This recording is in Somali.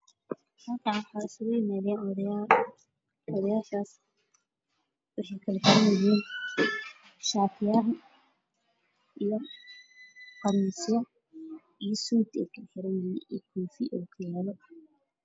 Meeshaan waxaa isugu imaaday odayaal oo meel ku shirayo odayaashaas waxay kala xiran yihiin shatiyaal iyo khamiisyo